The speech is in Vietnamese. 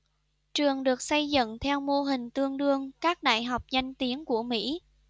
trường được xây dựng theo mô hình tương đương các đại học danh tiếng của mỹ